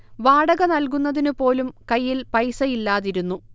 വാടക നൽകുന്നതിന് പോലും കൈയിൽ പൈസയില്ലാതിരുന്നു